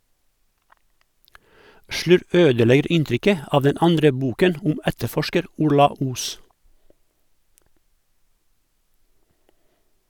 Slurv ødelegger inntrykket av den andre boken om etterforsker Orla Os.